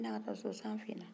n'an ka taa so san finna